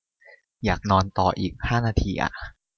อยากนอนต่ออีกห้านาทีอะ